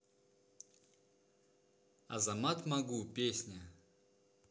азамат могу песня